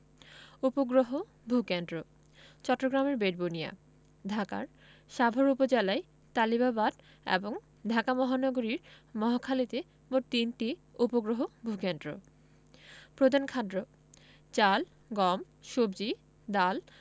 উপগ্রহ ভূ কেন্দ্রঃ চট্টগ্রামের বেতবুনিয়া ঢাকার সাভার উপজেলায় তালিবাবাদ এবং ঢাকা মহানগরীর মহাখালীতে মোট তিনটি উপগ্রহ ভূ কেন্দ্র প্রধান খাদ্যঃ চাল গম সবজি ডাল